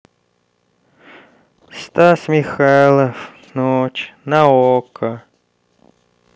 стас михайлов ночь на окко